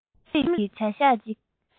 རྩོམ རིག གི བྱ བཞག ཅིག